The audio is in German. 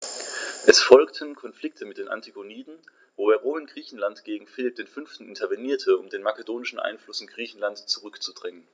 Es folgten Konflikte mit den Antigoniden, wobei Rom in Griechenland gegen Philipp V. intervenierte, um den makedonischen Einfluss in Griechenland zurückzudrängen.